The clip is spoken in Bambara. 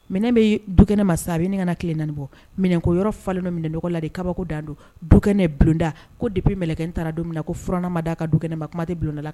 Minɛn bee dukɛnɛma sisan a be ɲini kana kile 4 bɔ minɛnkoyɔrɔ falen do minɛnnɔgɔ la de kabako dan don dukɛnɛ bulonda ko dépuis mɛlɛkɛnin taara don min na ko furanna ma d'a ka dukɛnɛ ma kuma te bulondala m